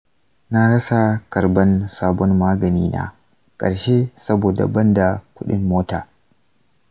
na rasa karban sabon magani na ƙarshe saboda ban da kuɗin mota.